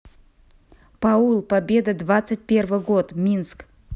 paul победа двадцать первый год минск